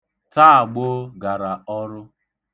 Tagbo gara ọrụ.